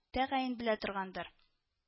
Тәгаен белә торгандыр